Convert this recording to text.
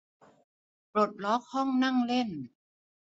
ปลดล็อกห้องนั่งเล่น